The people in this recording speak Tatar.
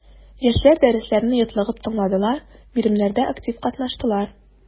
Яшьләр дәресләрне йотлыгып тыңладылар, биремнәрдә актив катнаштылар.